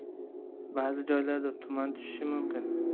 ba'zi joylarga tuman tushishi mumkin